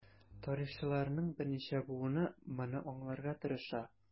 Тарихчыларның берничә буыны моны аңларга тырыша.